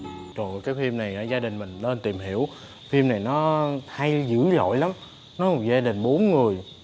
chời ơi cái phim này gia đình mình nên tìm hiểu phim này nó hay dữ dội lắm gia đình bốn người